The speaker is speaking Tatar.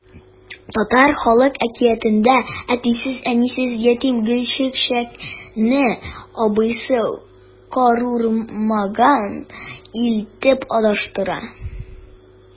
Татар халык әкиятендә әтисез-әнисез ятим Гөлчәчәкне абыйсы карурманга илтеп адаштыра.